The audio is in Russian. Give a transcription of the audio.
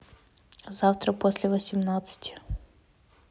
завтра после восемнадцати